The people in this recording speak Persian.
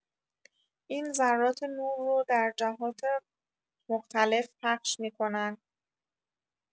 این ذرات نور رو در جهات مختلف پخش می‌کنن.